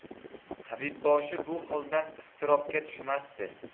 tabibboshi bu holdan iztirobga tushmasdi